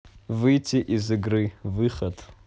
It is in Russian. выйди из игры выход